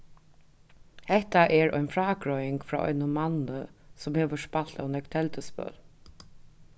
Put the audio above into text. hetta er ein frágreiðing frá einum manni sum hevur spælt ov nógv telduspøl